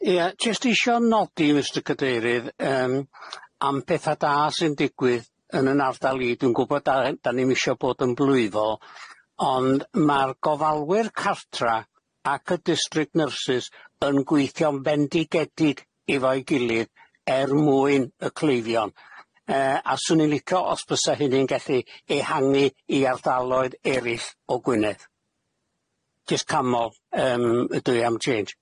Ia jyst isio nodi mistyr Cadeirydd yym am petha da sy'n digwydd yn yn ardal i dwi'n gwbod a hy- dan ni'm isio bod yn blwyddol ond ma'r gofalwyr cartra ac y distric nyrsys yn gweithio'n fendigedig efo'i gilydd er mwyn y cleifion yy a swn i'n licio os bysa hynny'n gallu ehangu i ardaloedd eryll o Gwynedd, jyst camol yym ydw i am change.